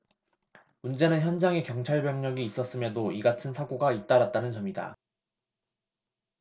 문제는 현장에 경찰병력이 있었음에도 이 같은 사고가 잇따랐다는 점이다